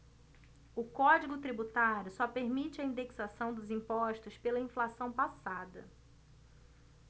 o código tributário só permite a indexação dos impostos pela inflação passada